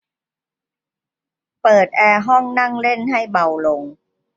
เปิดแอร์ห้องนั่งเล่นให้เบาลง